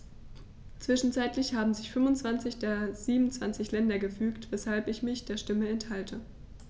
Zwischenzeitlich haben sich 25 der 27 Länder gefügt, weshalb ich mich der Stimme enthalte.